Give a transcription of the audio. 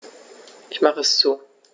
Ich mache es zu.